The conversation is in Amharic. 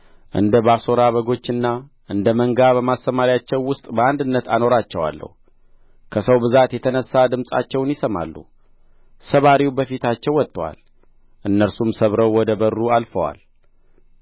እንደ ባሶራ በጎችና እንደ መንጋ በማሰማርያቸው ውስጥ በአንድነት አኖራቸዋለሁ ከሰው ብዛት የተነሣ ድምፃቸውን ያሰማሉ ሰባሪው በፊታቸው ወጥቶአል እነርሱም ሰብረው ወደ በሩ አልፈዋል